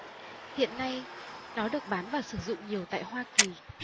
hiện nay nó được bán và sử dụng nhiều tại hoa kỳ